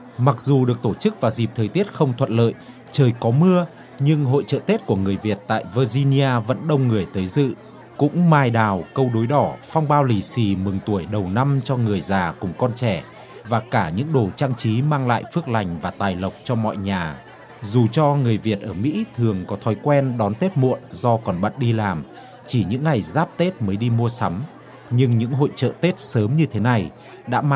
mặc dù được tổ chức vào dịp thời tiết không thuận lợi trời có mưa nhưng hội chợ tết của người việt tại vơ di ni a vẫn đông người tới dự cũng mai đào câu đối đỏ phong bao lì xì mừng tuổi đầu năm cho người già cùng con trẻ và cả những đồ trang trí mang lại phước lành và tài lộc cho mọi nhà dù cho người việt ở mỹ thường có thói quen đón tết muộn do còn bận đi làm chỉ những ngày giáp tết mới đi mua sắm nhưng những hội chợ tết sớm như thế này đã mang